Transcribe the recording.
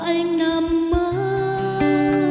anh mơ